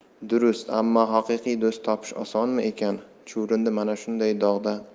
durust ammo haqiqiy do'st topish osonmi ekan chuvrindi mana shundan dog'da